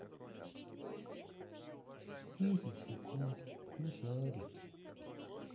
десять секунд смешарики